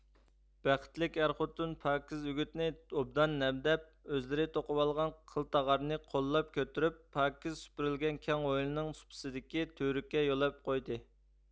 بەختلىك ئەر خوتۇن پاكىز ئۈگۈتنى ئوبدان نەمدەپ ئۆزلىرى توقۇۋالغان قىل تاغارنى قوللاپ كۆتۈرۈپ پاكىز سۈپۈرۈلگەن كەڭ ھويلىنىڭ سۇپىسىدىكى تۈۋرۈككە يۆلەپ قويدى